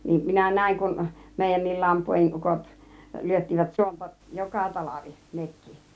niin minä näin kun meidänkin lampuodin ukot lyöttivät suonta joka talvi nekin